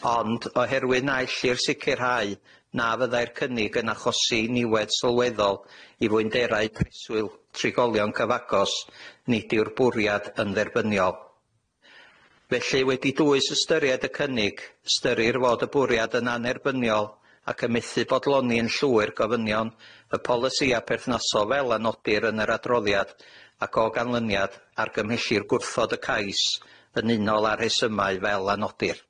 Ond oherwydd naill i'r sicirhau na fyddai'r cynnig yn achosi niwed sylweddol i fwynderau preswyl trigolion cyfagos, nid yw'r bwriad yn dderbyniol. Felly wedi dwys ystyried y cynnig, ystyrir fod y bwriad yn anerbyniol, ac ymuthu bodloni yn llwyr gofynion y polisia perthnasol fel anodir yn yr adroddiad, ac o ganlyniad, argymhellir gwrthod y cais, yn unol â rhesymau fel a nodir.